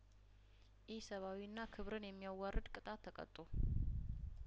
ኢሰብአዊና ክብርን የሚያዋርድ ቅጣት ተቀጡ